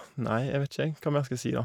Nei, jeg vet ikke, jeg, hva mer skal jeg si, da.